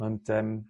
Ond yym